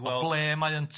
O ble mae yntai?